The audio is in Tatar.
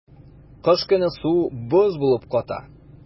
Кыш көне су боз булып ката.